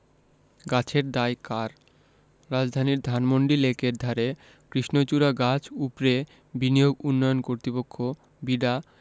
গাছের দায় কার রাজধানীর ধানমন্ডি লেকের ধারে কৃষ্ণচূড়া গাছ উপড়ে বিনিয়োগ উন্নয়ন কর্তৃপক্ষ বিডা